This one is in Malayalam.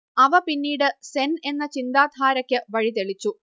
അവ പിന്നീട് സെൻ എന്ന ചിന്താധാരക്ക് വഴിതെളിച്ചു